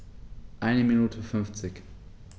Eine Minute 50